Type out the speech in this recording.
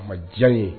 O ma diya ye